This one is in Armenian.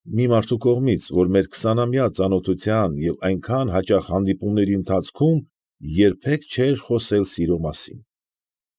Մի մարդու կողմից, որ մեր քսանամյա ծանոթության և այնքան հաճախ հանդիպումներիընթացքում երբեք չէր խոսել սիրո մասին։